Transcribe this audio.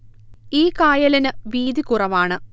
ഈ കായലിന് വീതികുറവാണ്